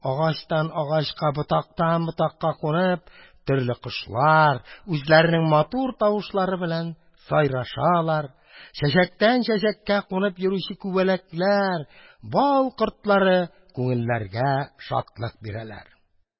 Агачтан агачка, ботактан ботакка кунып, төрле кошлар үзләренең матур тавышлары белән сайрашалар, чәчәктән чәчәккә кунып йөрүче күбәләкләр, бал кортлары күңелләргә шатлык бирәләр.